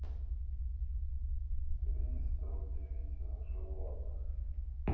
триста удивительных животных